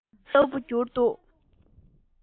རོལ བ ལྟ བུར གྱུར འདུག